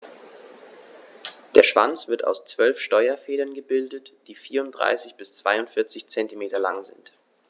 Der Schwanz wird aus 12 Steuerfedern gebildet, die 34 bis 42 cm lang sind.